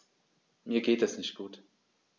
Mir geht es nicht gut.